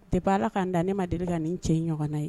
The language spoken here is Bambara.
I b' la ka' da ne ma deli ka nin cɛ ɲɔgɔnna ye